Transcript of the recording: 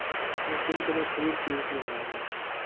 u jimgina to'yib to'yib emar edi